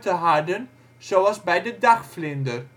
harden zoals bij de dagvlinder